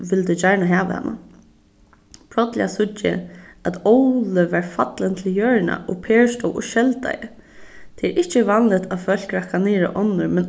vildu gjarna hava hana brádliga síggi eg at óli var fallin til jørðina og per stóð og skeldaði tað er ikki vanligt at fólk rakka niður á onnur men